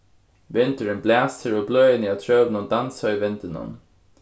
vindurin blæsur og bløðini á trøunum dansa í vindinum